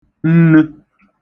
nnu